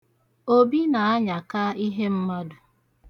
Obi na-anyaka ihe mmadụ.